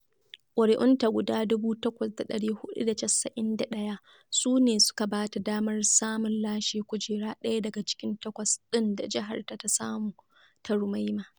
ƙuri'unta guda 8,491 su ne suka ba ta damar samun lashe kujera ɗaya daga cikin takwas ɗin da jiharta ta samu ta Roraima.